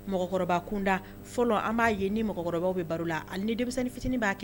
Kunda fɔlɔ an b'a ye ni bɛ baro la ani ni denmisɛnninmi fitinin b'a kɛ